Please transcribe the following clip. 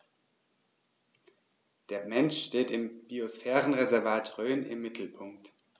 Der Mensch steht im Biosphärenreservat Rhön im Mittelpunkt.